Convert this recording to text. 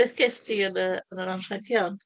Beth gest ti yn, yy, yn yr anrhegion?